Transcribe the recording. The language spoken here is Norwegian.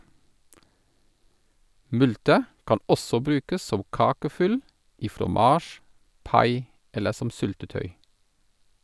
Multer kan også brukes som kakefyll, i fromasj, pai eller som syltetøy.